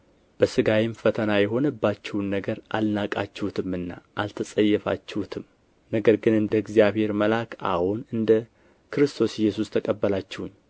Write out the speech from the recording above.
በሥጋዬም ፈተና የሆነባችሁን ነገር አልናቃችሁትምና አልተጸየፋችሁትም ነገር ግን እንደ እግዚአብሔር መልአክ አዎን እንደ ክርስቶስ ኢየሱስ ተቀበላችሁኝ